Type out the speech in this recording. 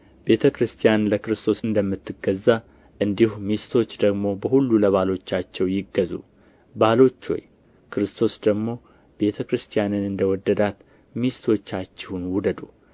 ቤተ ክርስቲያን ለክርስቶስ እንደምትገዛ እንዲሁ ሚስቶች ደግሞ በሁሉ ለባሎቻቸው ይገዙ ባሎች ሆይ ክርስቶስ ደግሞ ቤተ ክርስቲያንን እንደ ወደዳት ሚስቶቻችሁን ውደዱ